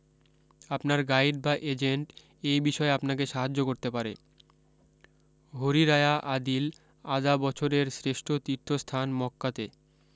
আপনার গাইড বা এজেন্ট এই বিষয়ে আপনাকে সাহায্য করতে পারে হরি রায়া আদিল আদা বছরের শ্রেষ্ট তীর্থস্থান মককাতে